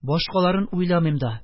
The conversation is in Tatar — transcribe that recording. Башкаларын уйламыйм да.